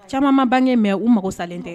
Camanma bangekɛ mɛn u mago sa tɛ